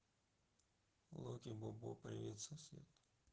локи бобо привет сосед